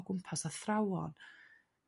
o gwmpas athrawon